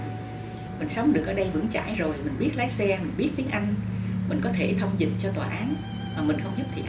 mình sống được ở đây vững trãi rồi mình biết lái xe biết tiếng anh mình có thể thông dịch cho tòa án mà mình không biết thì